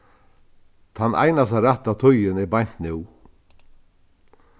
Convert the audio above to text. tann einasta rætta tíðin er beint nú